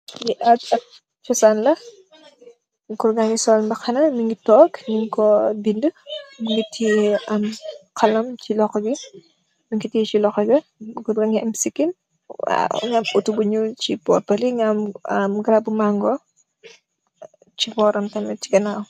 Lii ada ak cosaan la gaa yaangi sol mbaxana, ñu ngi toog, ñung kooy bindë. Mu ngi tiyee xalwm si loxo bi. Goor gaa ngi am siking, waaw, mu ngi am Otto bu ñuul ci boopa li nga am garabi maango, ci bóoram tam it ak si ganaawam.